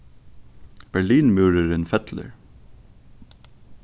berlinmúrurin fellur